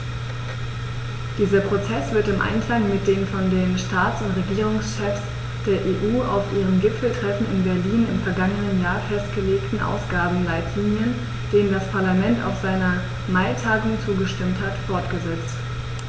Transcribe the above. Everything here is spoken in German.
Dieser Prozess wird im Einklang mit den von den Staats- und Regierungschefs der EU auf ihrem Gipfeltreffen in Berlin im vergangenen Jahr festgelegten Ausgabenleitlinien, denen das Parlament auf seiner Maitagung zugestimmt hat, fortgesetzt.